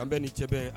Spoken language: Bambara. Kan bɛɛ ni cɛbɛn